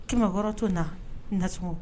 Kɛmɛkɔrɔ to na nas